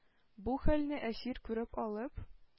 Бу хәлне Әсир күреп алып,